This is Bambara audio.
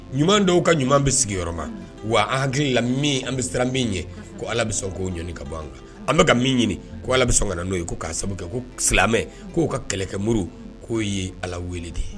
Ɲuman dɔw ka ɲuman bɛ sigiyɔrɔ ma wa an hakili lami an bɛ siran min ye ko ala bɛ sɔn k'o ka ban an kan an bɛka ka min ɲini ko ala bɛ sɔn n'o ye ko'a sababu ko silamɛmɛ k'o ka kɛlɛkɛ muru k'o ye ala wele de ye